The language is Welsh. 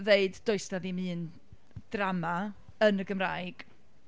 ddeud, "Does 'na ddim un drama yn y Gymraeg"...